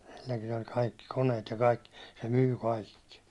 silläkin oli kaikki koneet ja kaikki se myi kaikki